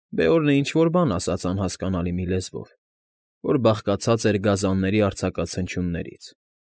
Բեորնը ինչ֊որ բան ասաց անհասկանալի մի լեզվով, որ բաղկացած էր գազանների արձակած հնչյուններից։